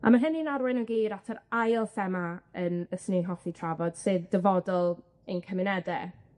A ma' hynny'n arwain yn glir at yr ail thema yym fyswn i'n hoffi trafod, sydd dyfodol ein cymunede,